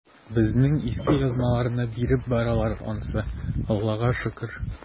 Безнең иске язмаларны биреп баралар ансы, Аллага шөкер.